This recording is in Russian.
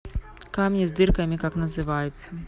камни с дырками как называется